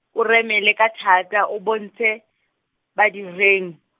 o remele ka thata o bontshe, badireng.